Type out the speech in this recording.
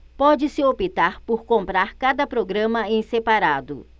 pode-se optar por comprar cada programa em separado